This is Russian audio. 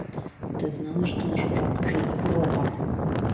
ты знала что наш враг уже европа